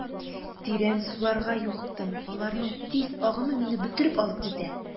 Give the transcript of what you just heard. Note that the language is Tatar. Тирән суларга юлыктым, аларның тиз агымы мине бөтереп алып китә.